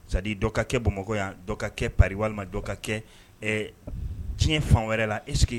Sadi dɔ ka kɛ bamakɔ yan dɔ ka kɛ par walima dɔ ka kɛ tiɲɛ fan wɛrɛ la e